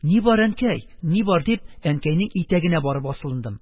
Ни бар, әнкәй, ни бар?.. - дип, әнкәйнең итәгенә барып асылдым.